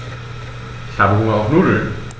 Ich habe Hunger auf Nudeln.